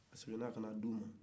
a segin na ka na so